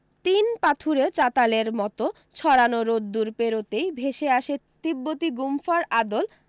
তিন পাথুরে চাতালের মতো ছড়ানো রোদ্দুর পেরোতেই ভেসে আসে তিব্বতি গুম্ফার আদল